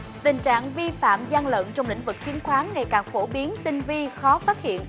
tình trạng vi phạm gian lận trong lĩnh vực chứng khoán ngày càng phổ biến tinh vi khó phát hiện